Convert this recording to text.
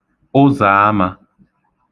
ụzàamā